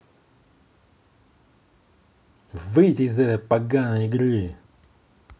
выйти из этой поганой игры